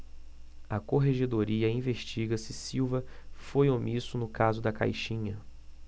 a corregedoria investiga se silva foi omisso no caso da caixinha